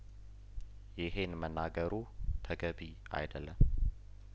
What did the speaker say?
ይሄን መናገሩ ተገቢ አይደለም